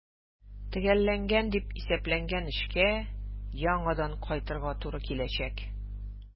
Төгәлләнгән дип исәпләнгән эшкә яңадан кайтырга туры киләчәк.